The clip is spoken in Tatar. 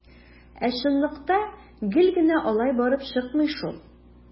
Ә чынлыкта гел генә алай барып чыкмый шул.